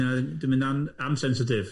Ie, ma' hynna'n am- an-sensitif.